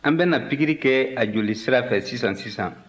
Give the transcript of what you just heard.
an bɛ na pikiri kɛ a jolisira fɛ sisan sisan